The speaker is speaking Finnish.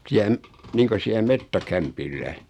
siellä - niin kuin siellä metsäkämpillä